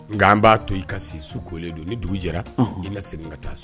Nga an ba to i ka si su kolen don . Ni dugu jɛra i na segin ka taa so